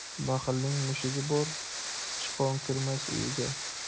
baxilning mushugi bor sichqon kirmas uyiga